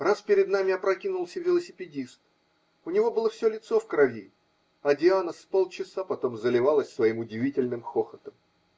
Раз перед нами опрокинулся велосипедист, у него было все лицо в крови, а Диана с полчаса потом заливалась своим удивительным хохотом.